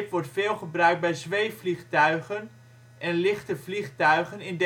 wordt veel gebruikt bij zweefvliegtuigen en lichte vliegtuigen in